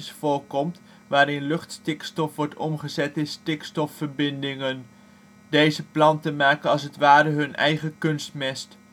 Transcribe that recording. voorkomt waarin luchtstikstof wordt omgezet in stikstofverbindingen. Deze planten maken als het ware hun eigen kunstmest